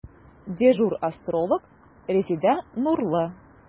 Дежур астролог – Резеда Нурлы.